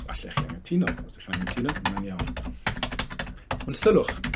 Allech chi anghytuno, os 'ych chi'n anghytuno ma' wnna'n iawn. Ond sylwch,